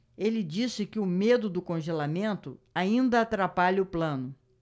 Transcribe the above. ele disse que o medo do congelamento ainda atrapalha o plano